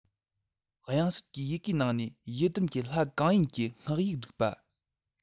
དབྱངས གསལ གྱི ཡི གེའི ནང ནས ཡི དམ གྱི ལྷ གང ཡིན གྱི སྔགས ཡིག བསྒྲུགས པ